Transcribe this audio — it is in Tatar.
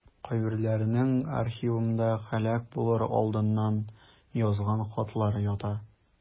Кайберләренең архивымда һәлак булыр алдыннан язган хатлары ята.